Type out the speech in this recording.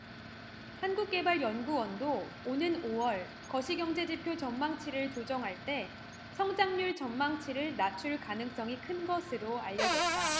한국개발연구원도 오는 오 월 거시경제지표 전망치를 조정할 때 성장률 전망치를 낮출 가능성이 큰 것으로 알려졌다